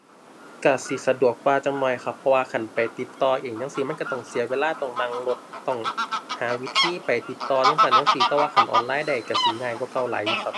ก็สิสะดวกกว่าจักหน่อยครับ เพราะว่าคันไปติดต่อเองจั่งซี้ มันก็ต้องเสียเวลา ต้องนั่งรถ ต้องหาวิธีไปติดต่อจั่งซั้นจั่งซี้ แต่ว่าคันออนไลน์ได้ก็สิง่ายกว่าเก่าหลายอยู่ครับ